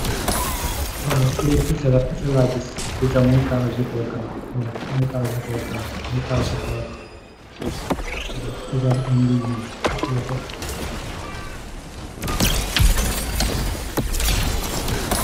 Li pitcha ,pitcha ni nak munge takhaw ak munge ame lu nyull ak lu xhong khu